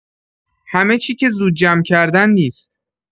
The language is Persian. همه‌چی که زود جمع کردن نیست.